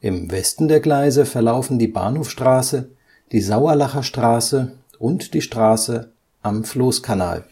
Im Westen der Gleise verlaufen die Bahnhofstraße, die Sauerlacher Straße und die Straße Am Floßkanal